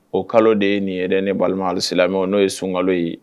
O kalo de ye nin ye yɛrɛ ni balimasimɛ n'o ye sunka ye